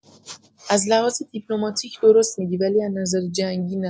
از لحاظ دیپلماتیک درست می‌گی ولی از نظر جنگی نه